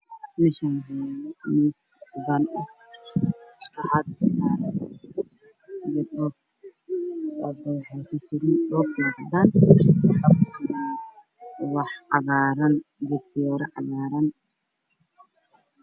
Meshan waxayalo miis cadan ah waxa kor saran dhoob wana cadan waxa kor suran ubax cagarn